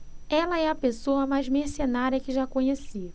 ela é a pessoa mais mercenária que já conheci